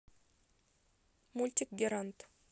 мультик геранд